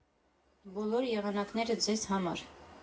Բոլոր եղանակները ձեզ համար։